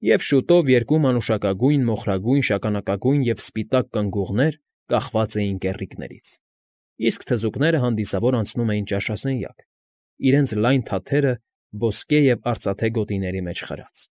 Եվ շուտով երկու մանուշակագույն, մոխրագույն, շագանակագույն ու սպիտակ կնգուղներ կախված էին կեռիկներից, իսկ թզուկները հանդիսավոր անցնում էին ճաշասենյակ, իրենց լայն թաթերը ոսկե և արծաթե գոտիների մեջ խրած։